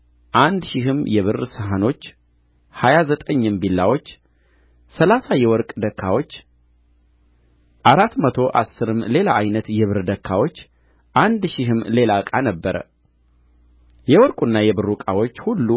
አንድ ሺህም የብር ሰሐኖች ሀያ ዘጠኝም ቢላዎች ሠላሳ የወርቅ ደካዎች አራት መቶ አሥርም ሌላ ዓይነት የብር ደካዎች አንድ ሺህም ሌላ ዕቃ ነበረ የወርቁና የብሩ ዕቃዎች ሁሉ